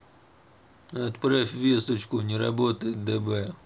отправь весточку не работает дб